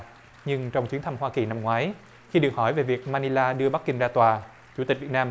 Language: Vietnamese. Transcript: nhưng trong chuyến thăm hoa kỳ năm ngoái khi được hỏi về việc ma li na đưa bắc kinh ra tòa chủ tịch việt nam